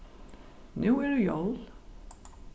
nú eru jól